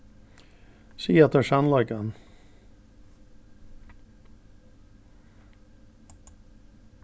siga teir sannleikan